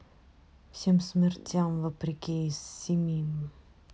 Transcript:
всем смертям вопреки из семи блядь